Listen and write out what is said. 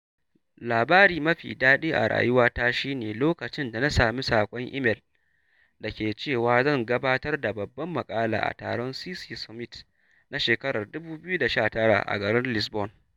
Labari mafi daɗi a rayuwata shi ne lokacin da na sami saƙon email da ke cewa zan gabatar da babbar maƙala a taron CC Summit na shekarar 2019 a garin Lisbon…